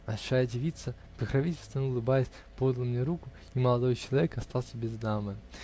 Большая девица, покровительственно улыбаясь, подала мне руку, и молодой человек остался без дамы.